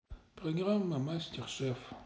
программа мастер шеф